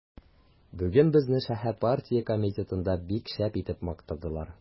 Бүген безне шәһәр партия комитетында бик шәп итеп мактадылар.